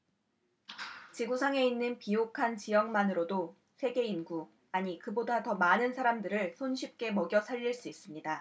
지구 상에 있는 비옥한 지역만으로도 세계 인구 아니 그보다 더 많은 사람들을 손쉽게 먹여 살릴 수 있습니다